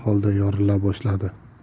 holda yorila boshladi